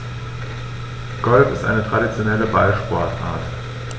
Golf ist eine traditionelle Ballsportart.